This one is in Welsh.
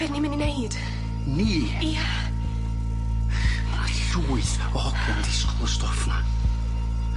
Be' ni myn' i neud? Ni? Ia. Ma' llwyth o hogia'n disgwl y stwff 'na.